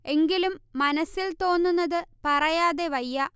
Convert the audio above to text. എങ്കിലും മനസ്സിൽ തോന്നുന്നത് പറയാതെ വയ്യ